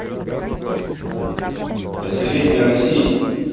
население россии